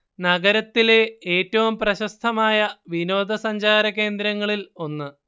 നഗരത്തിലെ ഏറ്റവും പ്രശസ്തമായ വിനോദസഞ്ചാര കേന്ദ്രങ്ങളിൽ ഒന്ന്